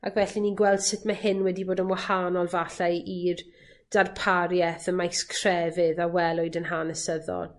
Ac felly ni'n gweld sut ma' hyn wedi bod yn wahanol falle i'r darparieth ym maes crefydd a welwyd yn hanesyddol.